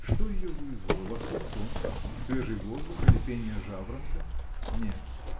Что ее вызвало: восход солнца, свежий воздух или пение жаворонка? Нет!